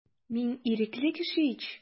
Мин ирекле кеше ич.